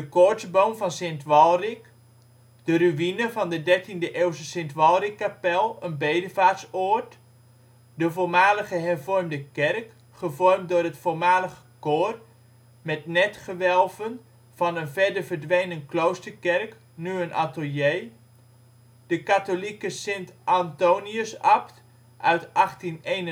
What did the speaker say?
koortsboom van St. Walrick. De ruïne van de 13e eeuwse St. Walrickkapel, een bedevaartsoord. De voormalige hervormde kerk, gevormd door het voormalige koor, met netgewelven, van een verder verdwenen kloosterkerk. Nu een atelier. De katholieke kerk St. Antonius Abt uit 1891, een